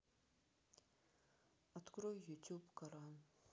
открой ютуб коран